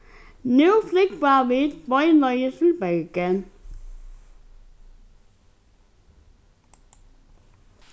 nú flúgva vit beinleiðis til bergen